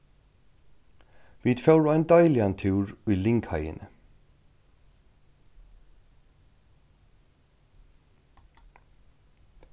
vit fóru ein deiligan túr í lyngheiðini